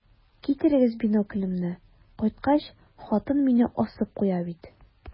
Китерегез биноклемне, кайткач, хатын мине асып куя бит.